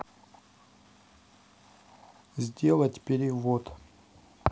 сделать перевод